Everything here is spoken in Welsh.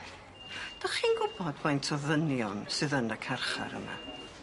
'Dych chi'n gwbod faint o ddynion sydd yn y carchar yma?